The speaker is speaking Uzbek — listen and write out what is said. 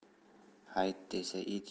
hayt desa it